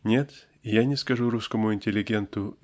Нет, я не скажу русскому интеллигенту